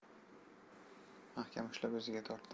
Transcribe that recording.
mahkam ushlab o'ziga tortdi